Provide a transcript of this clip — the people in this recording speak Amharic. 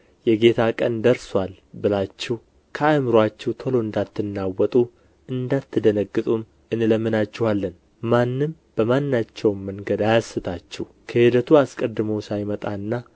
የጌታ ቀን ደርሶአል ብላችሁ ከአእምሮአችሁ ቶሎ እንዳትናወጡ እንዳትደነግጡም እንለምናችኋለን ማንም በማናቸውም መንገድ አያስታችሁ ክህደቱ አስቀድሞ ሳይመጣና